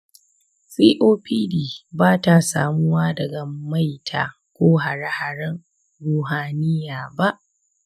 copd ba ta samuwa daga maita ko hare-haren ruhaniya ba.